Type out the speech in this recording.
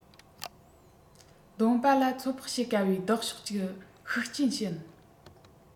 མདོང པ ལ ཚོད དཔག བྱེད དཀའ བའི ལྡོག ཕྱོགས ཀྱི ཤུགས རྐྱེན བྱིན